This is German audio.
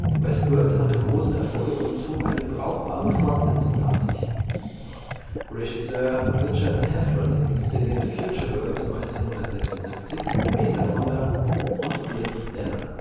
Westworld “hatte großen Erfolg und zog eine brauchbare Fortsetzung nach sich. Regisseur Richard T. Heffron inszenierte „ Futureworld “1976 mit Peter Fonda und Blythe Danner